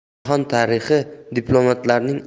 jahon tarixi diplomatlarning